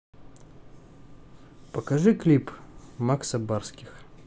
покажи клип макса барских